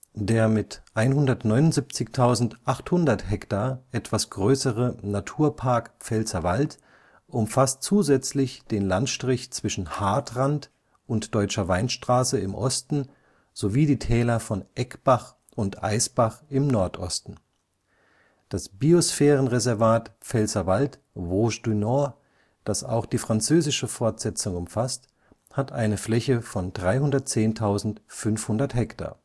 Der mit 179.800 Hektar etwas größere Naturpark Pfälzerwald umfasst zusätzlich den Landstrich zwischen Haardtrand und Deutscher Weinstraße im Osten sowie die Täler von Eckbach und Eisbach im Nordosten. Das Biosphärenreservat Pfälzerwald-Vosges du Nord, das auch die französische Fortsetzung umfasst, hat eine Fläche von 310.500 Hektar